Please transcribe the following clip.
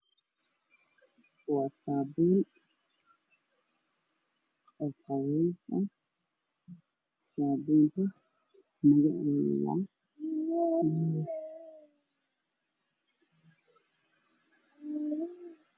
Waa saabuun oo qabays ah saabuuntu midabkeedu waa baluug